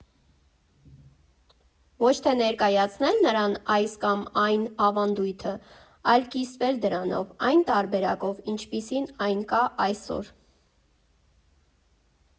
Ոչ թե ներկայացնել նրան այս կամ այն ավանդույթը, այլ կիսվել դրանով՝ այն տարբերակով ինչպիսին այն կա այսօր։